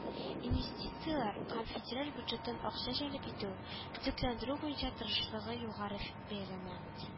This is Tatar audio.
Инвестицияләр һәм федераль бюджеттан акча җәлеп итү, төзекләндерү буенча тырышлыгы югары ф бәяләнә